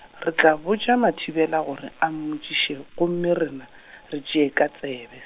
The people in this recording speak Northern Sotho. re tla botša Mathibela gore a mmotšiše, gomme rena, re tšee ka tsebe.